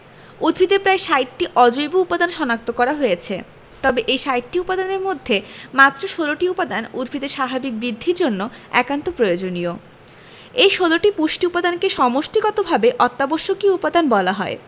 উদ্ভিদে প্রায় ৬০টি অজৈব উপাদান শনাক্ত করা হয়েছে তবে এই ৬০টি উপাদানের মধ্যে মাত্র ১৬টি উপাদান উদ্ভিদের স্বাভাবিক বৃদ্ধির জন্য একান্ত প্রয়োজনীয় এ ১৬টি পুষ্টি উপাদানকে সমষ্টিগতভাবে অত্যাবশ্যকীয় উপাদান বলা হয়